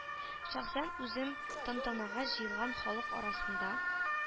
Шәхсән үзем тантанага җыелган халык арасында